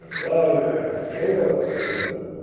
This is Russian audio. А главное, вот откуда.